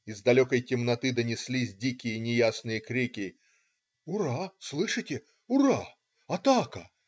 Из далекой темноты донеслись дикие, неясные крики. "Ура! слышите, ура! Атака!